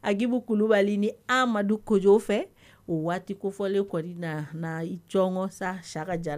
A'bu kulubali ni amadu koj fɛ o waati kofɔlen kɔ di na icɔn sa saka jarayara